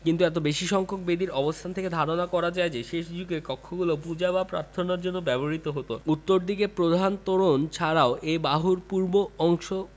কিন্তু এত বেশি সংখ্যক বেদির অবস্থান থেকে ধারণা করা যায় যে শেষ যুগে কক্ষগুলি পূজা বা প্রার্থনার জন্য ব্যবহূত হতো উত্তরদিকে প্রধান তোরণ ছাড়াও এ বাহুর পূর্ব অংশ